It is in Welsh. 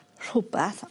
rhwbath